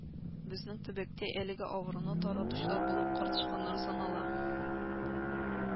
Безнең төбәктә әлеге авыруны таратучылар булып кыр тычканнары санала